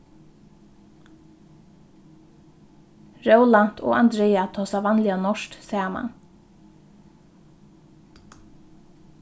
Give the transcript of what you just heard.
rólant og andrea tosa vanliga norskt saman